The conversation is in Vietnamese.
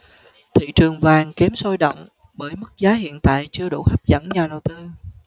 thị trường vàng kém sôi động bởi mức giá hiện tại chưa đủ hấp dẫn nhà đầu tư